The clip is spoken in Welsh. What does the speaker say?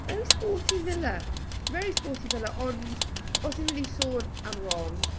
Very sporty villa very sporty villa ond os ry'n ni mynd i sôn am Ron...